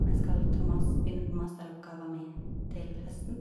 m Jeg skal ta mas begynne på masteroppgava mi til høsten.